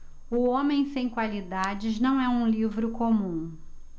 o homem sem qualidades não é um livro comum